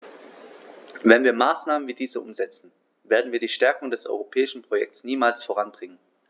Wenn wir Maßnahmen wie diese umsetzen, werden wir die Stärkung des europäischen Projekts niemals voranbringen.